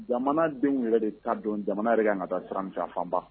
Jamanadenw yɛrɛ de t'a dɔn jamana yɛrɛ kan ka taa sira min fɛ a fanba